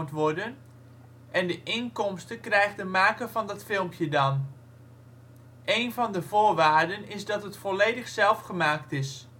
worden, en de inkomsten krijgt de maker van dat filmpje dan. Een van de voorwaarden is dat het volledig zelf gemaakt is